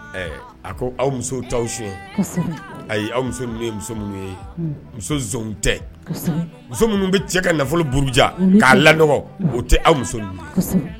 Ɛɛ, a ko aw muso t'aw nsonɲɛ, Ayi aw muso ninnu ye muso minnu ye muso nson tɛ, muso minnu bɛ cɛ ka nafolo buruja k'a lanɔgɔ o tɛ aw muso ninnu ye. Kosɛbɛ.